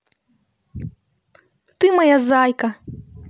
ты моя зайка